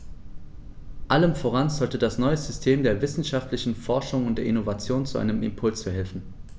Allem voran sollte das neue System der wissenschaftlichen Forschung und der Innovation zu einem Impuls verhelfen.